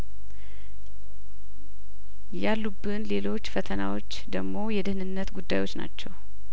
ያሉብን ሌሎች ፈተናዎች ደሞ የደህንነት ጉዳዮች ናቸው